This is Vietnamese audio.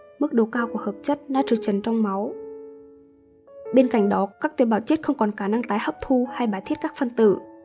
mức độ cao của hợp chất nitrogen trong máu bên cạnh đó các tế bào chết không còn khả năng tái hấp thu hay bài tiết các phân tử